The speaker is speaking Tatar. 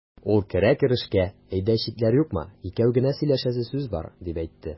Ул керә-керешкә: "Өйдә читләр юкмы, икәү генә сөйләшәсе сүз бар", дип әйтте.